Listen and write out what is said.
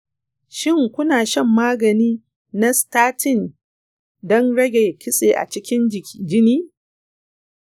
shin, kuna shan magani na statin don rage kitse a cikin jini?